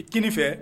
I t fɛ